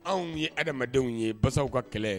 Anw ye adamadenw ye basaw ka kɛlɛ